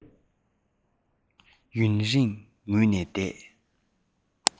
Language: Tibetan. ཡུན རིང ངུས ནས བསྡད